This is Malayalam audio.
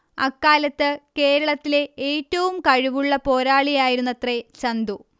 അക്കാലത്ത് കേരളത്തിലെ ഏറ്റവും കഴിവുള്ള പോരാളിയായിരുന്നത്രേ ചന്തു